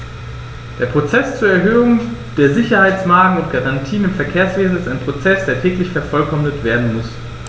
Der Prozess zur Erhöhung der Sicherheitsmargen und -garantien im Verkehrswesen ist ein Prozess, der täglich vervollkommnet werden muss.